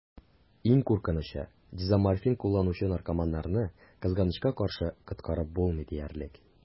Иң куркынычы: дезоморфин кулланучы наркоманнарны, кызганычка каршы, коткарып булмый диярлек.